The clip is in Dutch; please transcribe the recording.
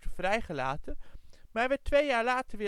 vrijgelaten, maar werd twee jaar later